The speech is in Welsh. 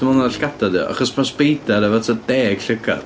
Ti meddwl na llygadau ydi o? Achos ma' sbeidar efo tua deg llygad.